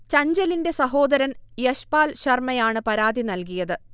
ചഞ്ചലിന്റെ സഹോദരൻ യശ്പാൽ ശർമ്മയാണ് പരാതി നൽകിയത്